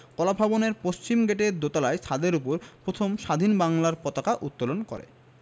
কলাভবনের পশ্চিমগেটের দোতলার ছাদের উপর প্রথম স্বাধীন বাংলার পতাকা উত্তোলন করে